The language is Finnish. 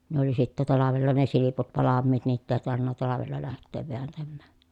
ne oli sitten talvella ne silput valmiit niitä ei tarvinnut talvella lähteä vääntämään